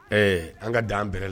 Ɛɛ an ka dan an b la